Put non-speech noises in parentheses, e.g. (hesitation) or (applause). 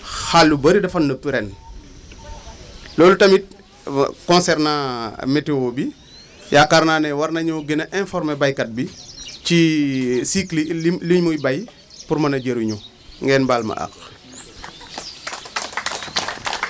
xaal yu bëri dafa nëb ren (crosstalk) loolu tamit (hesitation) concernant (hesitation) météo bi yaakaar naa ne war nañoo gën a informer béykat bi ci (hesitation) cycle yi li li muy béy pour mën a jëriñu ngeen baal ma àq (applause)